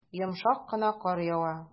Йомшак кына кар ява.